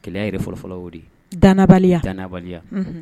Kɛlɛ yɛrɛ fɔlɔfɔlɔ o de dabaliya danbaliya